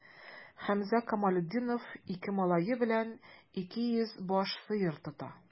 Хәмзә Камалетдинов ике малае белән 200 баш сыер тота.